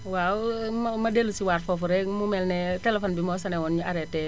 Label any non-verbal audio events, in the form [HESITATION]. waaw [HESITATION] ma dellusiwaat foofu rekk mu mel ne téléphone bi moo sonné woon ñu arrêté